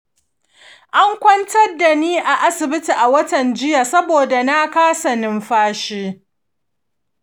an kwantar da ni a asibiti a watan jiya saboda na kasa numfashi.